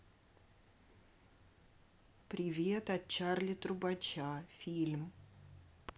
привет от чарли трубача фильм